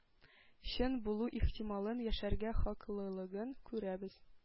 Чын булу ихтималын, яшәргә хаклылыгын күрәбез.